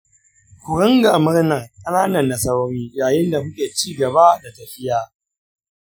ku ringa murnar ƙananan nasarori yayin da kuke ci gaba da tafiya.